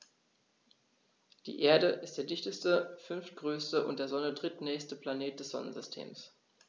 Die Erde ist der dichteste, fünftgrößte und der Sonne drittnächste Planet des Sonnensystems.